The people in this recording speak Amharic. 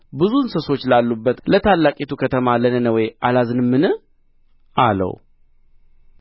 ብዙ እንስሶች ላሉባት ለታላቂቱ ከተማ ለነነዌ አላዝንምን አለው